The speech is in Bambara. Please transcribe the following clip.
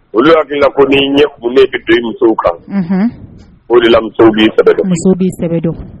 Olu y'du ko ni ɲɛ u ne bɛ den musow kan o de lamuso b'i'i dɔn